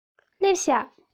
སླེབས བཞག